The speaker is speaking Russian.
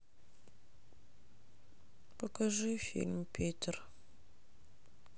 покажи фильм питер